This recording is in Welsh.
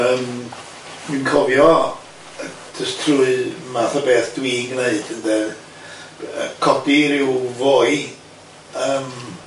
Yym dwi'n cofio jys trwy math o beth dwi'n gneud ynde... yy codi ryw foi yym